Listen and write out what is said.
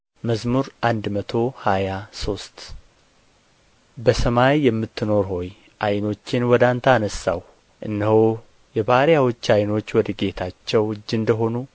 መዝሙር መቶ ሃያ ሶስት በሰማይ የምትኖር ሆይ ዓይኖቼን ወደ አንተ አነሣሁ እነሆ የባሪያዎች ዓይኖች ወደ ጌታቸው እጅ እንደ ሆኑ